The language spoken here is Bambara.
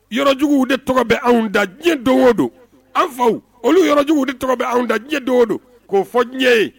Yɔrɔ juguw de tɔgɔ bɛ anw da diɲɛ don o don an faw olu yɔrɔjjuguw de tɔgɔ bɛ anw da diɲɛ don o don k'o fɔ diɲɛ ye